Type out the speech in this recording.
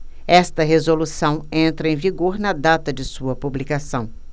esta resolução entra em vigor na data de sua publicação